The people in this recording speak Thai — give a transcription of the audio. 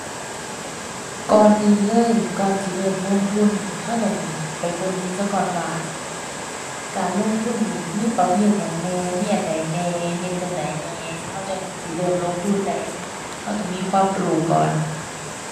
ก่อนอื่นเลยก่อนสิเริ่มลงทุนเราต้องไปเบิ่งซะก่อนว่า การลงทุนนี่มีประเภทหยังแหน่ มีอันใดแหน่ เฮ็ดจั่งใดแหน่ เราจั่งสิเริ่มลงทุนได้ เราต้องมีความรู้ก่อน